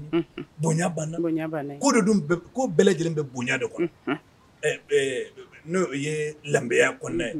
Bonya ko bɛɛ lajɛlen bɛ bonya dɔ kɔnɔ n'o ye danbeya kɔnɔɛ